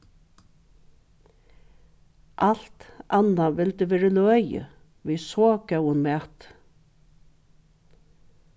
alt annað vildi verið løgið við so góðum mati